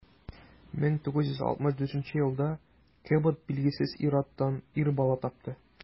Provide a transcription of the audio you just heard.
1964 елда кэбот билгесез ир-аттан ир бала тапты.